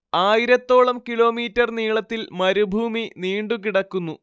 ആയിരത്തോളം കിലോമീറ്റർ നീളത്തിൽ മരുഭൂമി നീണ്ടു കിടക്കുന്നു